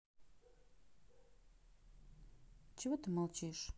чего молчишь